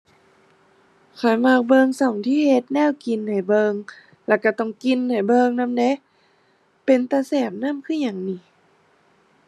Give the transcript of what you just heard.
ข้อยมักเบิ่งช่องที่เฮ็ดแนวกินให้เบิ่ง แล้วช่องต้องกินให้เบิ่งนำเดะ เป็นตาแซ่บนำคือหยังนี่